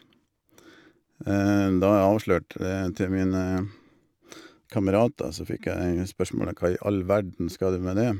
Hva i all verden skal du med det?